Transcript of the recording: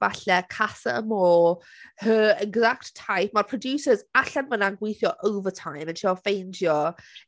Falle Casa Amor, her exact type... Ma'r producers allan fan'na yn gweithio overtime, yn trio ffeindio...